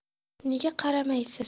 nega qaramaysiz